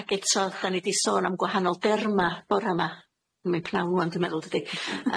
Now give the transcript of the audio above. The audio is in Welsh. Ag eto da ni 'di sôn am gwahanol derma bore 'ma, mae'n pnawn rŵan dwi meddwl dydi?